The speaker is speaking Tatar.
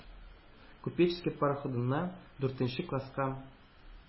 “купеческий“ пароходына, дүртенче класска